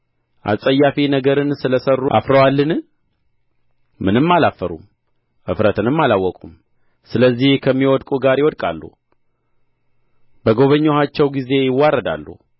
አስጸያፊ ነገርን ስለ ሠሩ አፍረዋልን ምንም አላፈሩም እፍረትንም አላወቁም ስለዚህ ከሚወድቁ ጋር ይወድቃሉ በጐበኘኋቸው ጊዜ ይዋረዳሉ